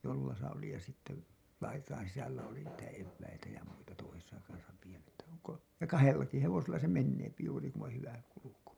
jollassa oli ja sitten laitojen sisällä oli niitä eväitä ja muita toisessa kanssa ja kahdellakin hevosella se menee juuri kun on hyvä kulku